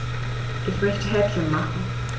Ich möchte Häppchen machen.